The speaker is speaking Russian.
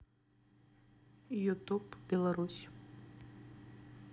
ютуб беларусь